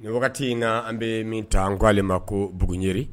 Mɛ wagati in na an bɛ min ta an k koale ma ko buguɛri